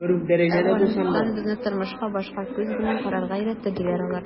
“әфганстан безне тормышка башка күз белән карарга өйрәтте”, - диләр алар.